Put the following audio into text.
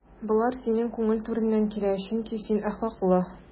Болар синең күңел түреннән килә, чөнки син әхлаклы.